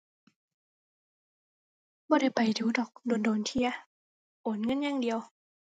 บ่ได้ไปดู๋ดอก โดนโดนเที่ย โอนเงินอย่างเดียว